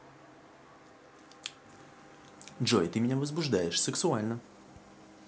джой ты меня возбуждаешь сексуально